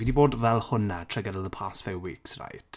Fi 'di bod fel hwnna trwy gydol y past few weeks, right?